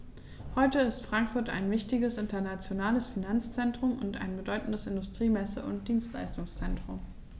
Heute ist Frankfurt ein wichtiges, internationales Finanzzentrum und ein bedeutendes Industrie-, Messe- und Dienstleistungszentrum.